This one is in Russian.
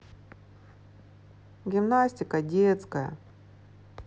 гимнастика детская